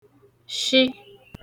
shị